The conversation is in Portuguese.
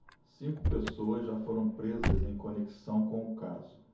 cinco pessoas já foram presas em conexão com o caso